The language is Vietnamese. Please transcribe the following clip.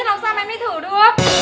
làm sao mà em đi thử được